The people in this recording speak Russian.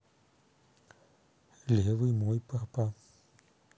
левый мой папа